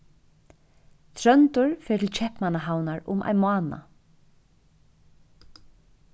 tróndur fer til keypmannahavnar um ein mánað